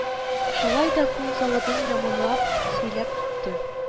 Шулай да күн заводын яманлап сөйләп китте: